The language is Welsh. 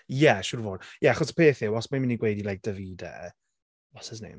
Ie, siwr o fod. Ie achos y peth yw os mae'n mynd i gweud i like Davide, what's his name?